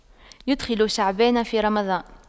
يُدْخِلُ شعبان في رمضان